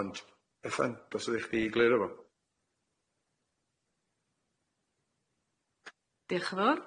Ond Bethan, dosoddech chdi i eglirio fo. Dioch yn fawr.